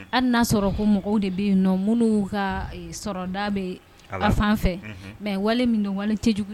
Halli n'a sɔrɔ ko mɔgɔw de bɛ yen n'ɔ minnu ka sɔrɔ da bɛ fan fɛ mais wale ninnu don, wale cɛjugu don.